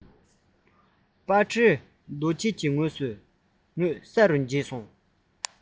པ ཊའི རྡོ གཅལ གྱི ངོས ས རུ འགྱེལ སོང